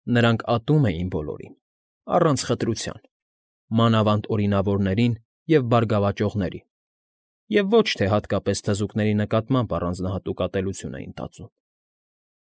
Նրանք ատում էին բոլորին, առանց խտրականության, մանավանդ օրինավորներին և բարգավաճողներին, և ոչ թե հատկապես թզուկների նկատմամբ առանձնահատուկ ատելություն էին տածում։